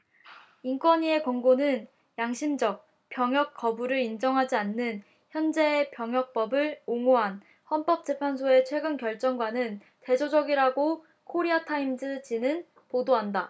인권위의 권고는 양심적 병역 거부를 인정하지 않는 현재의 병역법을 옹호한 헌법 재판소의 최근 결정과는 대조적이라고 코리아 타임스 지는 보도한다